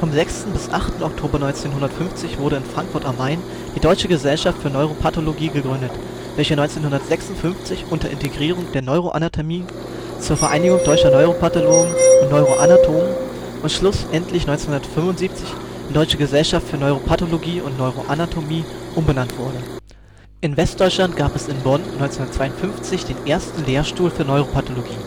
6. bis 8. Oktober 1950 wurde in Frankfurt am Main die Deutsche Gesellschaft für Neuropathologie gegründet, welche 1956 unter Integrierung der Neuroanatomie zur Vereinigung Deutscher Neuropathologen und Neuroanatomen und schlussendlich 1975 in Deutsche Gesellschaft für Neuropathologie und Neuroanatomie umbenannt wurde (Beschluss in Köln). In Westdeutschland gab es in Bonn 1952 den ersten Lehrstuhl für Neuropathologie